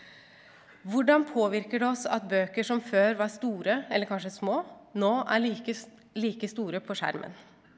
hvordan påvirker det oss at bøker som før var store eller kanskje små nå er like like store på skjermen?